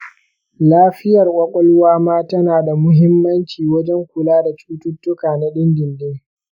lafiyar kwakwalwa ma tana da muhimmanci wajen kula da cututtuka na dindindin.